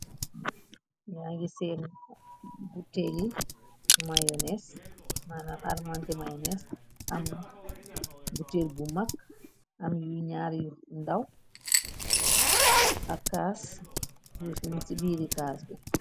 ya ngi seen bu teli mayonees manam armante mayonees am butal bu mage am njari yu ndaw ak caas juuz mung ci beri caas bi